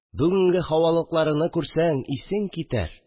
Бүгенге һавалылыкларыны күрсәң – исең китәр